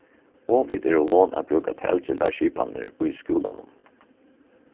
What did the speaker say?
og vit eru von at brúka talgildar skipanir í skúlanum